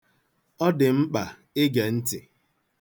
Ọ dị mkpa ige ntị.